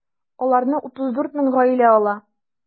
Аларны 34 мең гаилә ала.